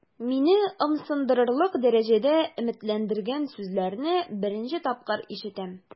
Мине ымсындырырлык дәрәҗәдә өметләндергән сүзләрне беренче тапкыр ишетәм.